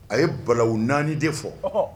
A ye balaw naani de fɔ